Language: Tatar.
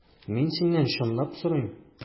Мин синнән чынлап сорыйм.